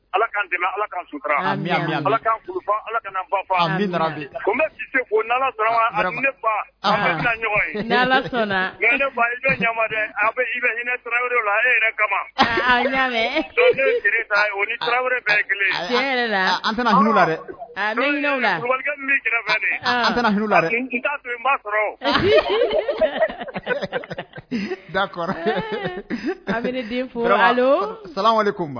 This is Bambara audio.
Ala tɛmɛ da kabini di kun ma